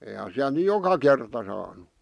eihän siellä nyt joka kerta saanut